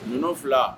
Minnufila